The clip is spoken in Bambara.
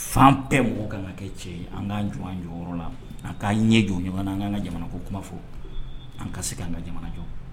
Fan bɛɛ mɔgɔ ka ka kɛ cɛ an k'an jɔ an jɔyɔrɔ la an k'a ɲɛ jɔ ɲɔgɔn na an ka' ka jamana ko kuma fɔ an ka segin an ka jamana jɔ